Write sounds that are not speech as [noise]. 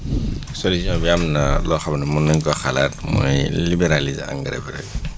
[noise] solution bi am na loo xam ne mun nañ koo xalaat mooy libéraliser engrais bi rek